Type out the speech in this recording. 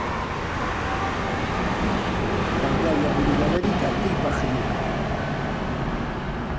тогда я буду говорить а ты похрюкай